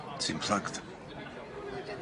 Ti'n plugged?